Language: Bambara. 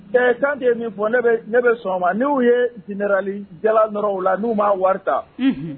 Mais Kante ye min fɔ ne be ne be sɔn o ma n'u yee général jala nɔrɔ u la n'u ma wɔri ta unhun